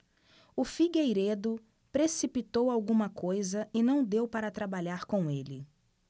o figueiredo precipitou alguma coisa e não deu para trabalhar com ele